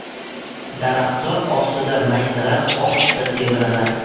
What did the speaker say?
daraxtzor ostida maysalar ohista tebranar